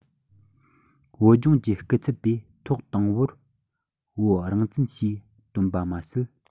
བོད ལྗོངས ཀྱི སྐུ ཚབ པས ཐོག དང པོར བོད རང བཙན ཞེས བཏོན པ མ ཟད